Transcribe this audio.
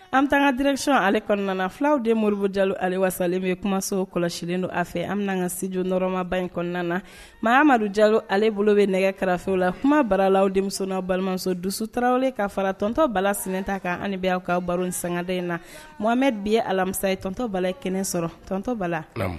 An tanga dreptiyɔn ale kɔnɔna na fulaw de moribu jalo ale walasasalen bɛ kumaso kɔlɔsisilennen don a fɛ an bɛna ka sdiɔrɔmaba in kɔnɔna na ma amadumadu jalo ale bolo bɛ nɛgɛ karafew la kuma barala denmisɛnw balimaso dusu tarawelerawwlen ka faratɔntɔba sen ta kan anibi ka baro sangada in na mɔgɔmɛ bi ye alamisa ye tɔntɔba kɛnɛ sɔrɔ tɔntɔntɔba